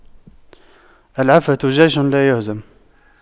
العفة جيش لايهزم